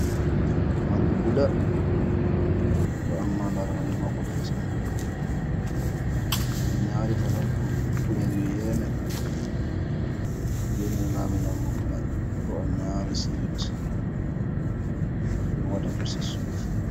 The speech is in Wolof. Bar bu guda bu am màndarga yu bokxol fason am ñaari fason kuler yu yeeme grney labe jambu guda bu am ñaaru ci rit wu watatu ci suuf.